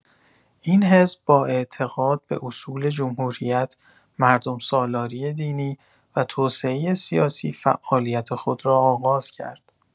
این حزب با اعتقاد به اصول جمهوریت، مردم‌سالاری دینی و توسعه سیاسی فعالیت خود را آغاز کرد.